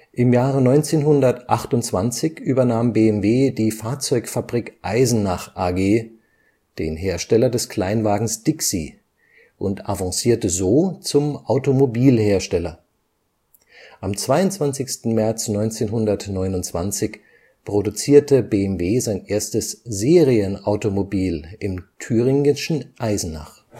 Im Jahre 1928 übernahm BMW die Fahrzeugfabrik Eisenach A.G., den Hersteller des Kleinwagens Dixi, und avancierte so zum Automobil-Hersteller. Am 22. März 1929 produzierte BMW sein erstes Serien-Automobil im thüringischen Eisenach